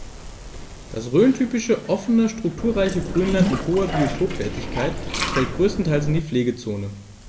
Das rhöntypische offene, strukturreiche Grünland mit hoher Biotopwertigkeit fällt größtenteils in die Pflegezone.